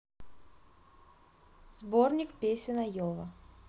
сборник песен iova